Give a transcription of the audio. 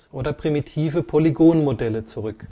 oder primitive Polygonmodelle zurück